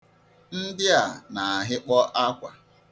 Ndị a na-ahịkpọ akwa.